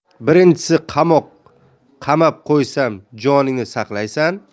birinchisi qamoq qamab qo'ysam joningni saqlaysan